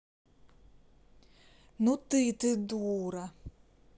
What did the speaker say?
ну ты ты дура